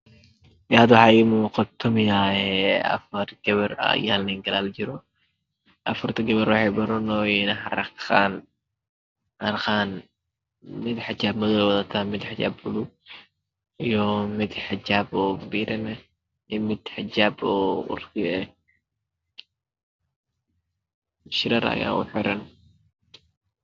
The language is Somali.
Hadda waxa ii muuqato afar. gabdhood oo.hal nin la jiro afarta gabar waxey baranooyan harqaan mid xijaab. madow wadato mid xijaab. baluug. iyo mid xijab biidham ah mid xijaab ooo kii ah.shirarka I xiran,